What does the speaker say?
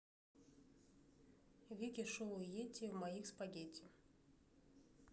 вики шоу йети в моих спагетти